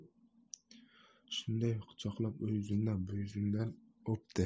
shundoq quchoqlab u yuzimdan bu yuzimdan o'pdi